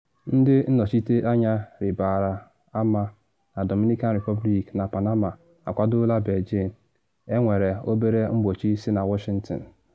Ndị nnọchite anya rịbara ama na Dominican Republic na Panama akwadola Beijing, enwere obere mgbochi si na Washington.